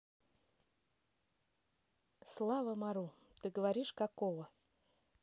слава мару ты говоришь какого